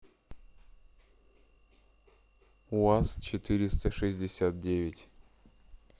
уаз четыреста шестьдесят девять